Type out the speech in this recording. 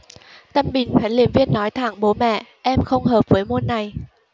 tân bình huấn luyện viên nói thẳng bố mẹ em không hợp với môn này